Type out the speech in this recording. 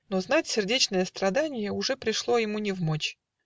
Но, знать, сердечное страданье Уже пришло ему невмочь.